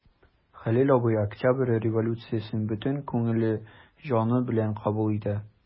Хәлил абый Октябрь революциясен бөтен күңеле, җаны белән кабул итә.